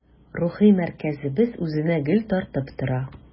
Рухи мәркәзебез үзенә гел тартып тора.